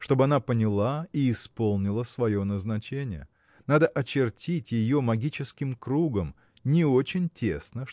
чтоб она поняла и исполнила свое назначение. Надо очертить ее магическим кругом не очень тесно